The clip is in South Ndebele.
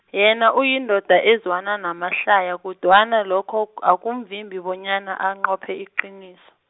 yena uyindoda ezwana namahlaya kodwana lokho k- akumvimbi bonyana anqophe iqiniso.